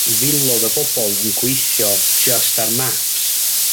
filodd o bobol yn gweithio jyst ar Maps.